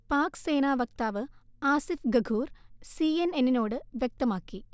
pack സേന വക്താവ് Asif Ghafoor C N എന്നിനോട് വ്യക്തമാക്കി